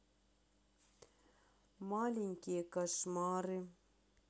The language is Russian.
маленькие кошмары